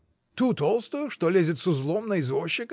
— Ту толстую, что лезет с узлом на извозчика?